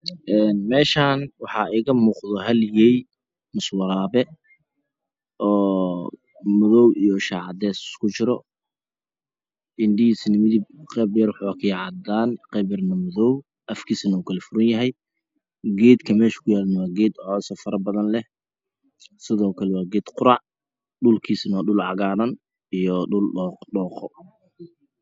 Meeshaan waxa ega muuqda waraabe oo madow iyo cadays isku jiro indha waa modow iyo cadaan Afkiisa uu furan yhy geedka waa geed caws faro badan leh sidoo kale waa geed qurac dhulkiisa cagaaran